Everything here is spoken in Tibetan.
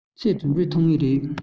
ཚེག གྲུབ འབྲས ཐོབ ངེས རེད